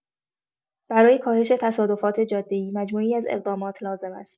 برای کاهش تصادفات جاده‌ای، مجموعه‌ای از اقدامات لازم است.